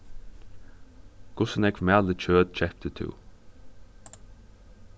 hvussu nógv malið kjøt keypti tú